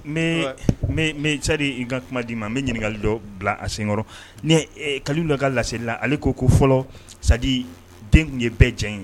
Meeee me me sani n ka kuma d'i ma n be ɲiniŋali dɔ bila a senkɔrɔ ne ee Kalilu ka laseli la ale ko ko fɔlɔ c'est à dire den tun ye bɛɛ jɛn ye